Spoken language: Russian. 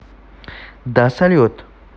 да салют